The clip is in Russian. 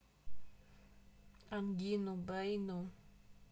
ангину бэйну